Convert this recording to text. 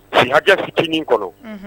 Sikɛ fitinin kɔnɔ